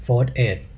โฟธเอด